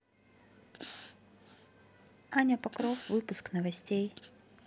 аня покров выпуск новостей